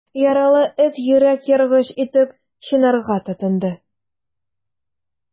Яралы эт йөрәк яргыч итеп чинарга тотынды.